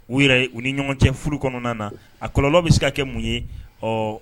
U yɛrɛ u ni ɲɔgɔn cɛ furu kɔnɔna na a kɔlɔlɔ bɛ se ka kɛ mun ye ɔ